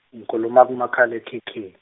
ngikhuluma ku makhalekhikhini.